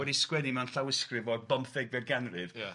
...wedi sgwennu mewn llawysgrif o'r bymtheg fer ganrif... Ia.